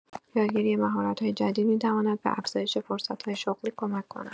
یادگیری مهارت‌های جدید می‌تواند به افزایش فرصت‌های شغلی کمک کند.